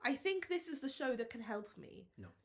I think this is the show that can help me... No.